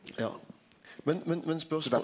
ja men men men.